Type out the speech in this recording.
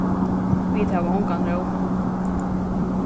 vit hava ongan róma